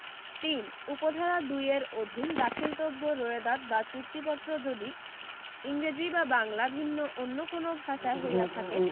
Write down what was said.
৩ উপ ধারা ২ এর অধীন দাখিলতব্য রোয়েদাদ বা চুক্তিপত্র যদি ইংরেজী বা বাংলা ভিন্ন অন্য কোন ভাষায় হইয়া থাকে